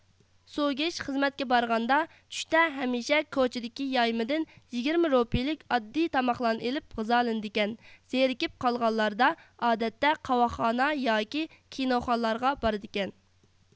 سۇگېش خىزمەتكە بارغاندا چۈشتە ھەمىشە كوچىدىكى يايمىدىن يىگىرمە رۇپىيىلىك ئاددىي تاماقلارنى ئېلىپ غىزالىنىدىكەن زىرىكىپ قالغانلاردا ئادەتتە قاۋاقخانا ياكى كىنوخانىلارغا بارىدىكەن